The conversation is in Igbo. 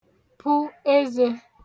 pu ezē